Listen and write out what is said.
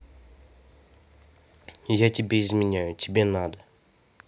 я тебе изменяю тебе надо